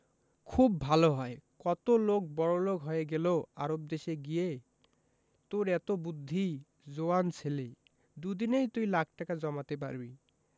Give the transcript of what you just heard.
খুব ভালো হয় কত লোক বড়লোক হয়ে গেল আরব দেশে গিয়ে তোর এত বুদ্ধি জোয়ান ছেলে দুদিনেই তুই লাখ টাকা জমাতে পারবি